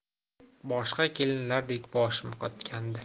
boshqa kelinlardek boshim qotgandi